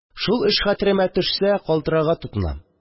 Шул эш хәтеремә төшсә, калтырарга тотынам